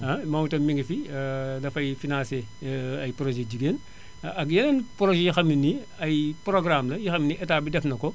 moom itam mu ngi fi dafay financé ay projets jigéen ak yeneen projets yoo xam ne nii ay programmes la yoo xam ne Etat bi def na ko